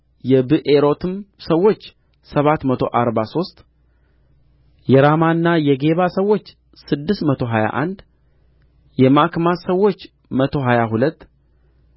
የብኤሮትም ሰዎች ሰባት መቶ አርባ ሦስት የራማና የጌባ ሰዎች ስድስት መቶ ሀያ አንድ የማክማስ ሰዎች መቶ ሀያ ሁለት